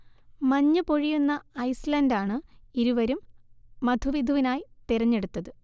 മഞ്ഞ് പൊഴിയുന്ന ഐസ്ലാന്റാണ് ഇരുവരും മധുവിധുവിനായി തെരഞ്ഞൈടുത്തത്